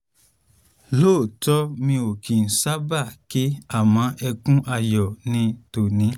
”Lóòótọ́ mò kìí sábà kẹ́ àmọ́ ẹkún ayọ̀ ni tòní.